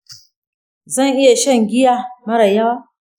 zan iya shan giya mara yawa?